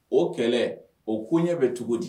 O kɛlɛ o ko ɲɛ bɛ cogo di